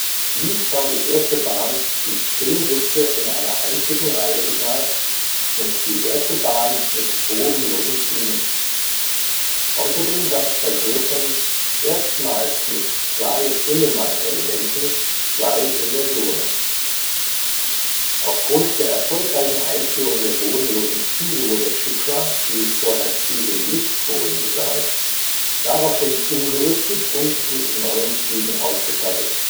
Dies war die erste Bahn, die zehn Sitze in einer einzigen Reihe besaß und die erste Bahn mit bodenlosen Zügen. Außerdem gab es bei Griffon erstmals mit zwei Immelmann-Elementen zwei Inversionen. Aufgrund der erfolgreichen Einführung der bodenlosen Züge wurde SheiKra, die vorher Züge mit Boden besaß, daraufhin umgerüstet und mit neuen Zügen ausgestattet